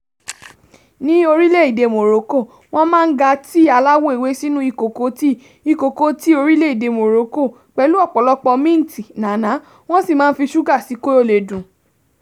Ní orílẹ́-èdè Morocco, wọ́n máa ń ga tíì aláwọ̀ ewé sínú ìkòkò tíì (ìkòkò tíì orílẹ̀-èdè Morocco) pẹ̀lú ọ̀pọ̀lọpọ̀ míǹtì (na'na') wọ́n sì máa ń fi ṣúgà si kí ó le dùn.